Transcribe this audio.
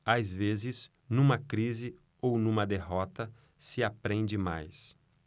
às vezes numa crise ou numa derrota se aprende mais